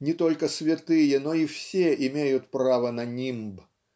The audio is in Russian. не только святые, но и все имеют право на нимб